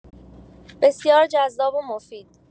بسیار جذاب و مفید